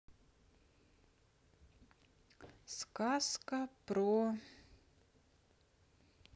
сказка про